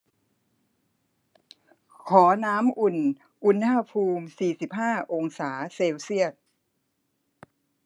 ขอน้ำอุ่นอุณหภูมิสี่สิบห้าองศาเซลเซียส